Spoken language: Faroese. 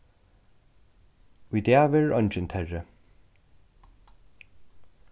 í dag verður eingin terri